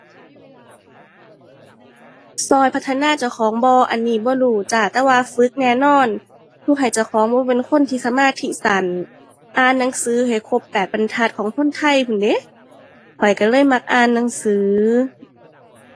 ช่วยพัฒนาเจ้าของบ่ อันนี้บ่รู้จ้า แต่ว่าฝึกแน่นอน ฝึกให้เจ้าของบ่เป็นคนที่สมาธิสั้น อ่านหนังสือให้ครบแปดบรรทัดของคนไทยพู้นเดะ ข้อยช่วยเลยมักอ่านหนังสือ